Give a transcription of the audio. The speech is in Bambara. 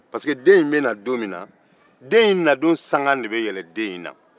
pariseke den in bɛna don min na den in nadon sanga de bɛ yɛlɛn den in na